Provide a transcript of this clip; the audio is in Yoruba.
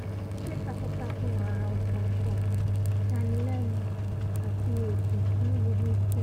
Iṣẹ́ takun-takun àra-ọ̀tọ̀ tó yanilẹ́nu àti èsì fún Livingston.